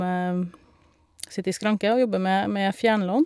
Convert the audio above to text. Sitter i skranke, og jobber med med fjernlån.